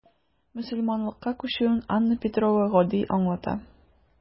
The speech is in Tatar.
Мөселманлыкка күчүен Анна Петрова гади аңлата.